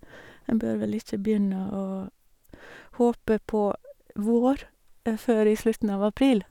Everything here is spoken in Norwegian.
En bør vel ikke begynne å håpe på vår før i slutten av april.